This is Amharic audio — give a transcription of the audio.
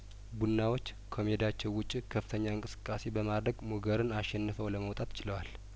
ቡናዎች ከሜዳቸው ውጭ ከፍተኛ እንቅስቃሴ በማድረግ ሙገርን አሸንፈው ለመውጣት ችለዋል